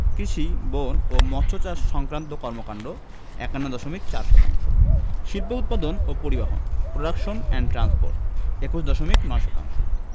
কৃষি বন ও মৎসচাষ সংক্রান্ত কর্মকান্ড ৫১ দশমিক ৪ শতাংশ শিল্প উৎপাদন ও পরিবহণ প্রোডাকশন এন্ড ট্রান্সপোর্ট ২১ দশমিক ৯ শতাংশ